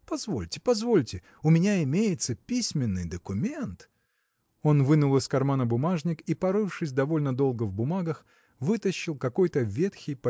позвольте, позвольте, у меня имеется письменный документ. Он вынул из кармана бумажник и порывшись довольно долго в бумагах вытащил какой-то ветхий